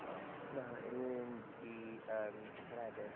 Ond na, 'y 'ni myn' i fynd i yym Caeredin.